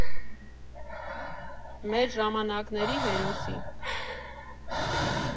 Մեր ժամանակների հերոսի։